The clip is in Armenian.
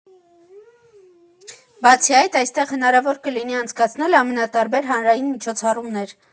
Բացի այդ, այստեղ հնարավոր կլինի անցկացնել ամենատարբեր հանրային միջոցառումներ։